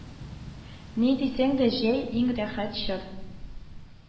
Ни дисәң дә, җәй иң рәхәт чор